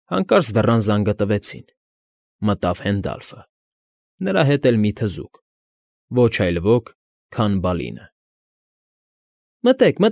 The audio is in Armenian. Հանկարծ դռան զանգը տվեցին, մտավ Հենդալֆը, նրա հետ էլ մի թզուկ, ոչ այլ ոք, քան Բալինը։ ֊ Մտե՛ք։